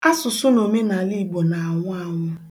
Asụ̀sụ na omenaala Igbo na-ànwụ̀ ànwụ